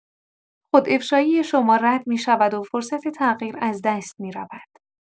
خودافشایی شما رد می‌شود و فرصت تغییر از دست می‌رود.